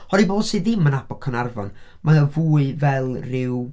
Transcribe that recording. Oherwydd i bobl sydd ddim yn 'nabod Caernarfon mae o fwy fel ryw...